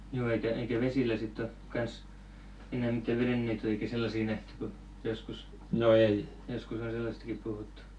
juu eikä eikä vesillä sitten ole kanssa enää mitään vedenneitoja eikä sellaisia nähty kun joskus joskus on sellaistakin puhuttu